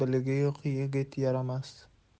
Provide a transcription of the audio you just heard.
biligi yo'q yigit yaramas